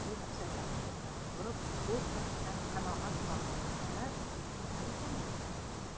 bu dahshatlarni ekranda ko'rib o'z kasbidan qanoat hosil qilganlar kimlar ekan o'zi